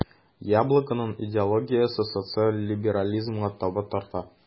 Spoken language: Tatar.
"яблоко"ның идеологиясе социаль либерализмга таба тарта.